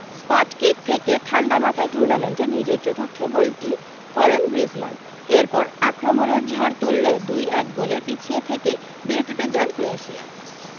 spot kick থেকে ঠাণ্ডা মাথায় টুর্নামেন্টে নিজের চতুর্থ গোলটি করেন গ্রিজমান এরপর আক্রমণের ঝড় তুললেও ২ ১ গোলে পিছিয়ে থেকেই বিরতিতে যান ক্রোয়েশিয়া